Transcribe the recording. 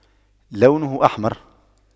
لونه أحمر